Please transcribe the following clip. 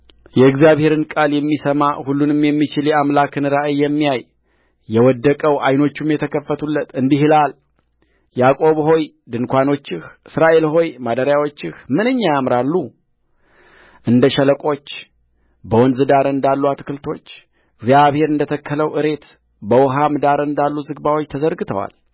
የእግዚአብሔርን ቃል የሚሰማሁሉን የሚችል የአምላክን ራእይ የሚያይየወደቀው ዓይኖቹም የተከፈቱለት እንዲህ ይላልያዕቆብ ሆይ ድንኳኖችህእስራኤል ሆይ ማደሪያዎችህ ምንኛ ያምራሉ እንደ ሸለቆችበወንዝ ዳር እንዳሉ አትክልቶችእግዚአብሔር እንደ ተከለው እሬትበውኃም ዳር እንዳሉ ዝግባዎች ተዘርግተዋል